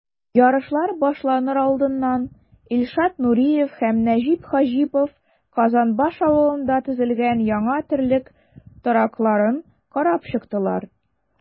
Ярышлар башланыр алдыннан Илшат Нуриев һәм Нәҗип Хаҗипов Казанбаш авылында төзелгән яңа терлек торакларын карап чыктылар.